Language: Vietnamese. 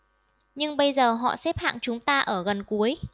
nhưng bây giờ họ xếp hạng chúng ta ở gần cuối